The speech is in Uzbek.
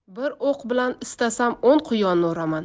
bir o'q bilan istasam o'n quyonni uraman